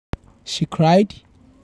"She cried"?""